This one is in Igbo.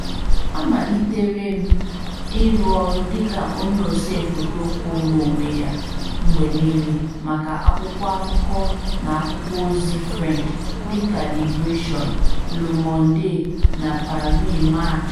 Amalitere m ịrụ ọrụ dịka onye osee foto kwụụrụ onwe ya mgbe niile maka akwụkwọ akụkọ na akwụkwọozi French, dịka Libération, Le Monde, na Paris Match.